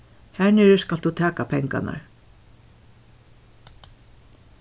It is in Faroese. har niðri skalt tú taka pengarnar